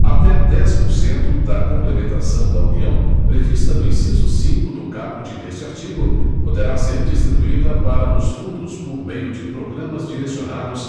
até dez por cento da complementação da união prevista no inciso cinco do caput deste artigo poderá ser distribuída para os fundos por meio de programas direcionados